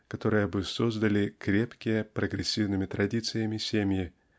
которые бы создали крепкие прогрессивными традициями семьи